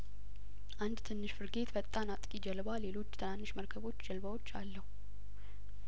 አንድ ትንሽ ፍርጌት ፈጣን አጥቂ ጀልባ ሌሎች ትናንሽ መርከቦች ጀልባዎች አለው